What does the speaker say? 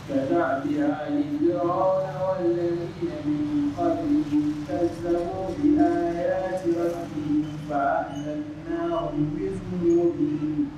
Saba yagɛnin yo yo fasegoi yo fa yo bɛ yo